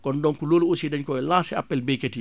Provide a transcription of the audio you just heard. kon donc loolu aussi dañ koy lancer appel baykat yi